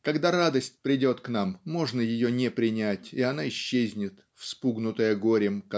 Когда радость придет к нам можно ее не принять и она исчезнет вспугнутая горем